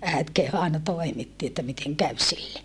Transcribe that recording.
äiti kehui aina toimitti että miten kävi sille